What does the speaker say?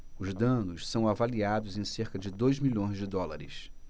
os danos são avaliados em cerca de dois milhões de dólares